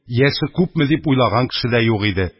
Яше күпме дип уйлаган кеше дә юк иде.